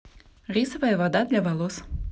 рисовая вода для волос